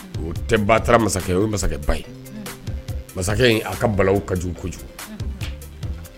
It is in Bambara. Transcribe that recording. O tɛba taara masakɛ o ye masakɛ ba ye masakɛ in a ka bala ka kojugu kojugu